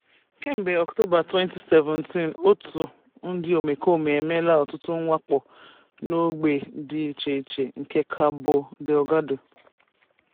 Kemgbe Ọktoba 2017, òtù ndị omekome a emeela ọtụtụ mwakpo n'ógbè dị icheiche nke Cabo Delgado.